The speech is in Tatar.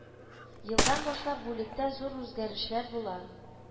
Елдан башлап бүлектә зур үзгәрешләр була